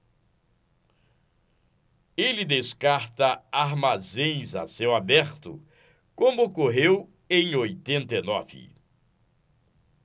ele descarta armazéns a céu aberto como ocorreu em oitenta e nove